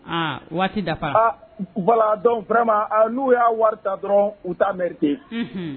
Un! waati dafa la. Voila, donc, vraiment n'u y'a wari ta dɔrɔn, u t'a mériter . Unhun!